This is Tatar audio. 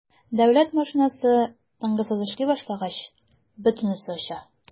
Дәүләт машинасы тынгысыз эшли башлагач - бөтенесе оча.